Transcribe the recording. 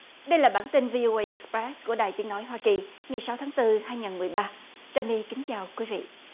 đây là bản tin vi ô ây ích bét của đài tiếng nói hoa kỳ ngày sáu tháng tư hai ngàn mười ba trà my kính chào quý vị